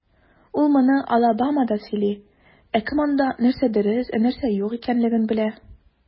Ул моны Алабамада сөйли, ә кем анда, нәрсә дөрес, ә нәрсә юк икәнлеген белә?